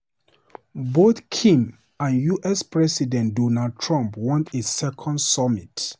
Both Kim and U.S. President Donald Trump want a second summit.